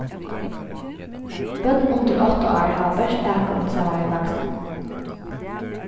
børn undir átta ár hava bert atgongd saman við vaksnum